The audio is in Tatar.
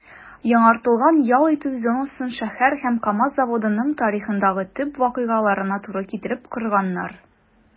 Яңартылган ял итү зонасын шәһәр һәм КАМАЗ заводының тарихындагы төп вакыйгаларына туры китереп корганнар.